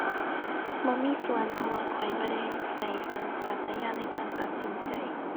บ่มีส่วน เพราะว่าข้อยบ่ได้ใช้สัญชาตญาณในการตัดสินใจ